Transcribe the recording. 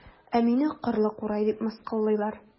Ә мине кырлы курай дип мыскыллыйлар.